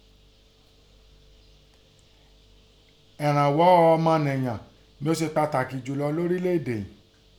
Ẹ̀rànghọ́ ọmọ nìyàn ni ó se pàtàkì jùlọ ní ọrílẹ̀ èdè ìín.